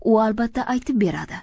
u albatta aytib beradi